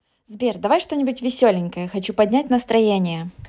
сбер давай что нибудь веселенькое хочу поднять настроение